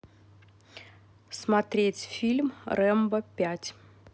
смотреть фильм рэмбо пять